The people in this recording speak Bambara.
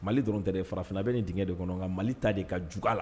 Mali dɔrɔn tɛɛrɛ farafinna bɛ nin d de kɔnɔ kan mali ta de i ka juguya ala la